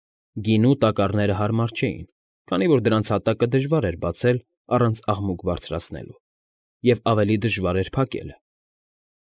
Գինու տակառները հարմար չէին, քանի որ դրանց հատակը դժվար էր բացել առանց աղմուկ բարձրացնելու, և ավելի դժվար էր փակելը։